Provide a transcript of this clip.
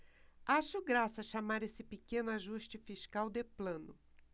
acho graça chamar esse pequeno ajuste fiscal de plano